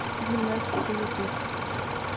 гимнастика ютуб